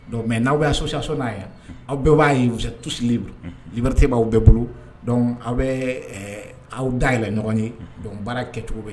Dɔnku nka n'aw y' sɔyaso n'a yan aw bɛɛ b'a ye tusilen libte' bɛɛ bolo aw bɛ aw dayɛlɛn ɲɔgɔn ye dɔn baara kɛ cogo bɛ